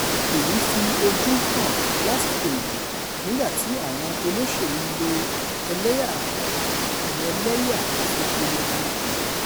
Èyí fi ojú hàn lásìkò ìbò nígbàtí àwọn olóṣèlú lo ẹlẹ́yàmẹ́lẹ́yá fi polongo ìbò.